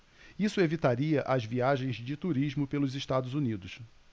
isso evitaria as viagens de turismo pelos estados unidos